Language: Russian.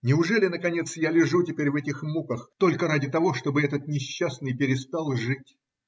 неужели, наконец, я л ежу теперь в этих муках -- только ради того, чтобы этот несчастный перестал жить?